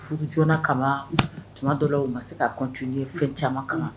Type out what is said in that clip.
Fu joonana kama tuma dɔ o ma se k' kan tun ye fɛn caman kama